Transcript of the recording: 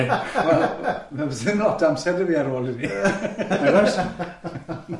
Wel, stdim lot o amser da fi ar ôl hynny.